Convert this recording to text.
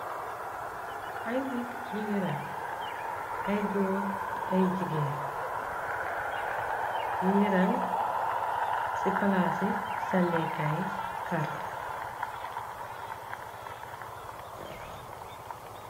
Ay nit ningi ran ay góor ak ay jigée ningi rang ci palaasi sannéekaay karte.